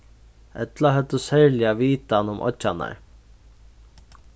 ella høvdu serliga vitan um oyggjarnar